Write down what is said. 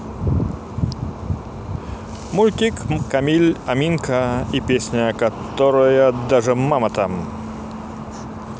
мультик камиль аминка и песня которая даже мама там